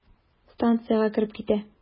Станциягә кереп китә.